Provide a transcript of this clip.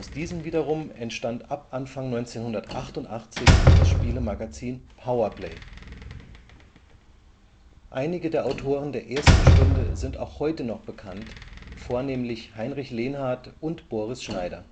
diesem wiederum entstand ab Anfang 1988 das Spielemagazin Power Play. Einige der Autoren der ersten Stunde sind auch heute noch bekannt, vornehmlich Heinrich Lenhardt und Boris Schneider